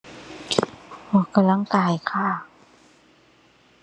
ออกกำลังกายค่ะ